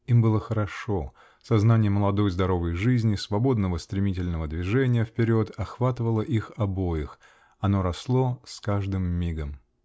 Им было хорошо: сознание молодой, здоровой жизни, свободного, стремительного движения вперед охватывало их обоих оно росло с каждым мигом.